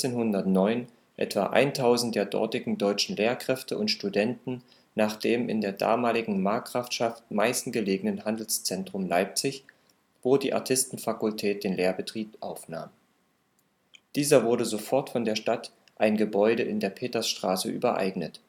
1409 etwa 1000 der dortigen deutschen Lehrkräfte und Studenten nach dem in der damaligen Markgrafschaft Meißen gelegenen Handelszentrum Leipzig, wo die Artistenfakultät den Lehrbetrieb aufnahm. Dieser wurde sofort von der Stadt ein Gebäude in der Petersstraße übereignet